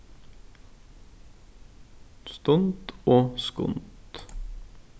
stund og skund